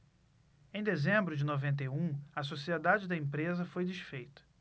em dezembro de noventa e um a sociedade da empresa foi desfeita